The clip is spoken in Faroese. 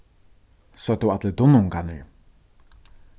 søgdu allir dunnuungarnir